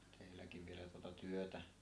teilläkin vielä tuota työtä